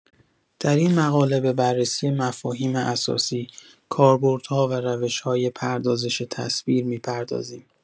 در این مقاله به بررسی مفاهیم اساسی، کاربردها و روش‌های پردازش تصویر می‌پردازیم.